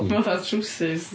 Mae o fatha'r trowsus.